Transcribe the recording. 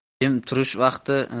jim turish vaqti